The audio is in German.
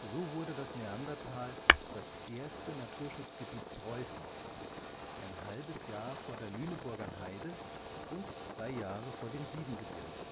So wurde das Neandertal das erste Naturschutzgebiet Preußens, ein halbes Jahr vor der Lüneburger Heide und zwei Jahre vor dem Siebengebirge